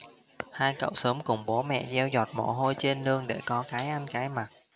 hai cậu sớm cùng bố mẹ gieo giọt mồ hôi trên nương để có cái ăn cái mặc